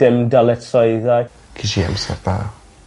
Dim dyletswyddau. Ces i amser da.